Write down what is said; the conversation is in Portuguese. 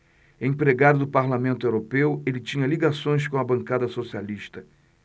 empregado do parlamento europeu ele tinha ligações com a bancada socialista